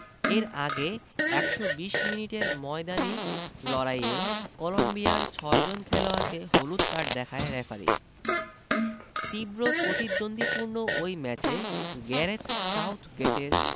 এর আগে ১২০ মিনিটের ময়দানি লড়াইয়ে কলম্বিয়ার ছয়জন খেলোয়াড়কে হলুদ কার্ড দেখায় রেফারি তীব্র প্রতিদ্বন্দ্বিপূর্ণ ওই ম্যাচে গ্যারেথ সাউথগেটের